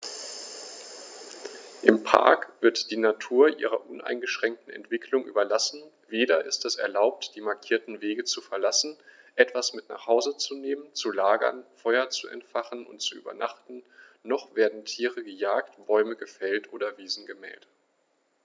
Im Park wird die Natur ihrer uneingeschränkten Entwicklung überlassen; weder ist es erlaubt, die markierten Wege zu verlassen, etwas mit nach Hause zu nehmen, zu lagern, Feuer zu entfachen und zu übernachten, noch werden Tiere gejagt, Bäume gefällt oder Wiesen gemäht.